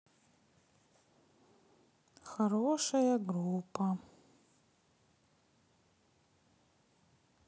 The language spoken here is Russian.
хорошая группа